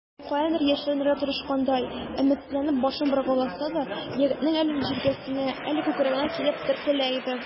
Каядыр яшеренергә тырышкандай, өметсезләнеп башын боргаласа да, егетнең әле җилкәсенә, әле күкрәгенә килеп төртелә иде.